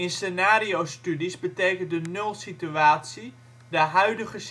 scenariostudies betekent de nul-situatie de huidige